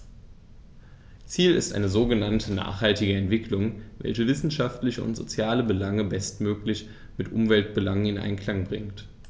Ziel ist eine sogenannte nachhaltige Entwicklung, welche wirtschaftliche und soziale Belange bestmöglich mit Umweltbelangen in Einklang bringt.